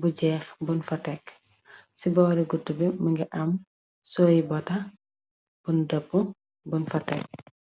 bu jeex bun fa tekk ci boori gut bi më ngi am soyi bota bun dëpp bun fa tekk